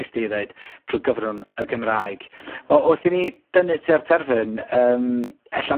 'nes 'di ddeud drw' gyfrwng y Gymraeg. Wel wrth i ni dynnu tua'r terfyn yym